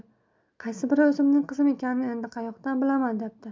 qaysi biri o'zimning qizim ekanini endi qayoqdan bilaman debdi